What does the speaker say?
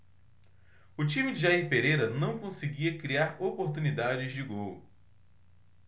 o time de jair pereira não conseguia criar oportunidades de gol